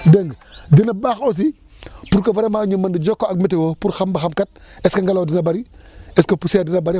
dégg nga dina baax aussi pour que vraiment ñu mën di jokkoo ak météo pour xam ba xam kat est ce que ngelaw dina bëri est ce que poussière dina bëri